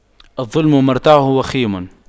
الظلم مرتعه وخيم